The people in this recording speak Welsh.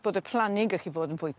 bod y plannu'n gychllu fod yn fwy